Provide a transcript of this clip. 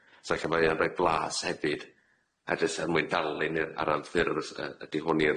So ella mae o'n roi blas hefyd, a jys' er mwyn darlun i'r- ar ran ffyrdd yy s- yy ydi hwn i'r